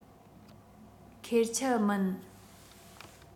ཁེར ཆད མིན